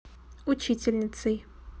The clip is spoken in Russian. учительницей